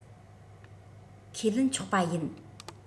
ཁས ལེན ཆོག པ ཡིན